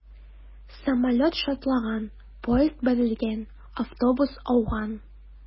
Самолет шартлаган, поезд бәрелгән, автобус ауган...